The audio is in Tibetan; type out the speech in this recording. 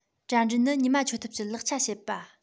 དྲ འབྲེལ ནི ཉི མ འཁྱོལ ཐབས ཀྱི ལག ཆ བྱེད པ